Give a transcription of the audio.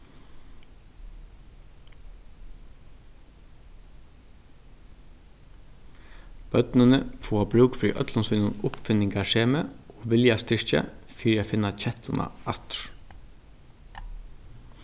børnini fáa brúk fyri øllum sínum uppfinningarsemi og viljastyrki fyri at finna kettuna aftur